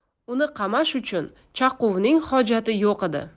uni qamash uchun chaquvning hojati yo'q edi